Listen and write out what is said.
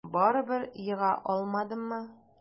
Барыбер ега алмадымы?